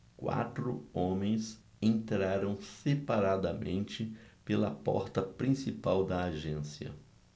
quatro homens entraram separadamente pela porta principal da agência